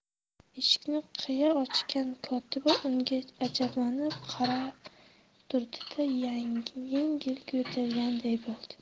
eshikni qiya ochgan kotiba unga ajablanib qarab turdi da yengil yo'talganday bo'ldi